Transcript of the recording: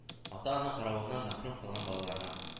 Ата-ана каравыннан мәхрүм калган балаларга